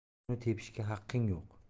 buni tepishga haqqing yo'q